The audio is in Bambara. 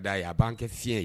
Daa ye a b'an kɛ fiye ye